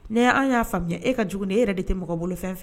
Ne y an y'a faamuyamu e ka juguuguni e yɛrɛ de tɛ mɔgɔbolo fɛ fɛ